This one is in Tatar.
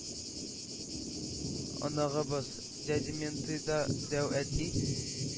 Оныгыбыз: “дяди менты да, дәү әти?”